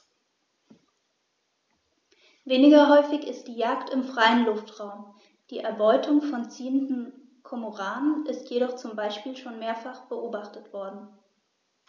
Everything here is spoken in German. Weniger häufig ist die Jagd im freien Luftraum; die Erbeutung von ziehenden Kormoranen ist jedoch zum Beispiel schon mehrfach beobachtet worden.